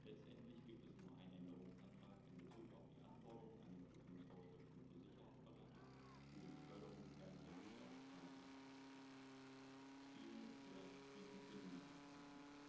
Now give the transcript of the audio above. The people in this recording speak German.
letztendlich gibt es nur einen Änderungsantrag in bezug auf die Anforderungen an die Prüfungsvorschriften für Sicherheitsberater für die Beförderung gefährlicher Güter auf Straße, Schiene oder Binnenwasserstraßen.